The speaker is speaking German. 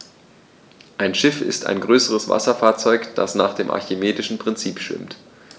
Ein Schiff ist ein größeres Wasserfahrzeug, das nach dem archimedischen Prinzip schwimmt.